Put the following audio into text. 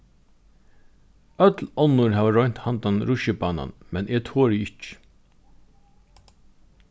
øll onnur hava roynt handan russjibanan men eg tori ikki